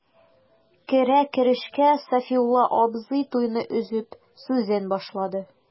Керә-керешкә Сафиулла абзый, туйны өзеп, сүзен башлады.